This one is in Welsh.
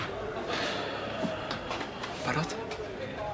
Barod?